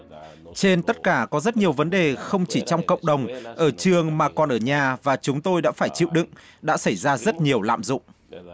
trên tất cả có rất nhiều vấn đề không chỉ trong cộng đồng ở trường mà còn ở nhà và chúng tôi đã phải chịu đựng đã xảy ra rất nhiều lạm dụng